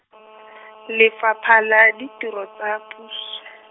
Lefapha la Ditiro tsa Pus-.